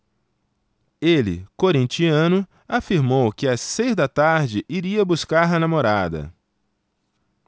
ele corintiano afirmou que às seis da tarde iria buscar a namorada